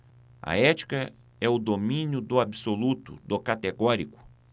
a ética é o domínio do absoluto do categórico